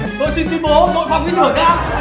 tôi xin tuyên bố đội phòng ý tưởng đã